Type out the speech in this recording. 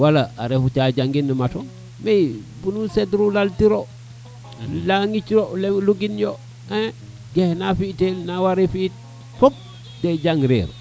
wala a refo cajagin math bo i sed rilo lal tiyo lamit yo wala login yo e kena na fi tel na ware fi it fop te jang reel